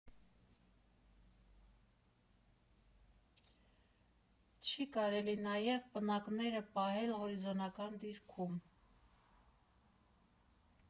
Չի կարելի նաև պնակները պահել հորիզոնական դիրքում։